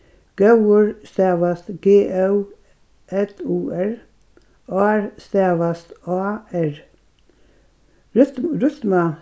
góður stavast g ó ð u r ár stavast á r rytma